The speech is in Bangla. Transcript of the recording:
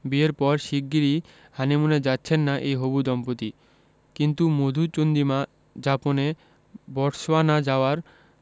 বিয়ের পর শিগগিরই হানিমুনে যাচ্ছেন না এই হবু দম্পতি কিন্তু মধুচন্দ্রিমা যাপনে বটসওয়ানা যাওয়ার